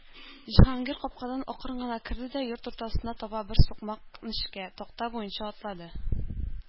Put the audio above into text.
Җиһангир капкадан акрын гына керде дә йорт уртасына таба тар бер сукмак—нечкә такта буенча атлады.